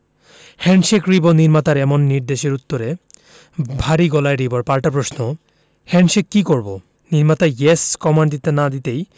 handshake Ribo নির্মাতার এমন নির্দেশের উত্তরে ভারী গলায় রিবোর পাল্টা প্রশ্ন হ্যান্ডশেক কি করবো নির্মাতা ইয়েস কমান্ড দিতে না দিতেই